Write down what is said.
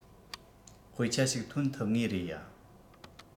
དཔེ ཆ ཞིག ཐོན ཐུབ ངེས རེད ཡ